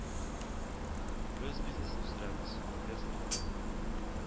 Без бизнесны үстерәбез, инвесторлар